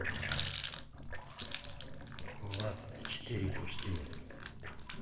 влад а четыре пустые